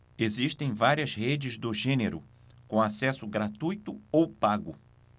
existem várias redes do gênero com acesso gratuito ou pago